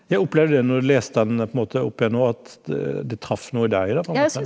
ja opplevde du det når du leste han på en måte opp igjen nå at det traff noe i deg da på en måte?